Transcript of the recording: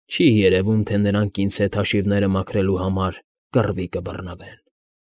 Չի երևում, թե նրանք ինձ հետ հաշիվները մաքրելու համար կռվի կբռնվեն։